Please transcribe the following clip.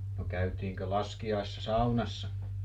no käytiinkö laskiaisena saunassa